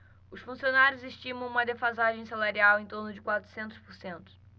os funcionários estimam uma defasagem salarial em torno de quatrocentos por cento